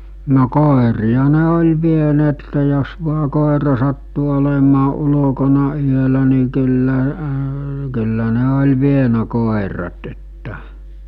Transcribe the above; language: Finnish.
no koiria ne oli vieneet jos vain koira sattui olemaan ulkona yöllä niin kyllä kyllä ne oli vienyt koirat että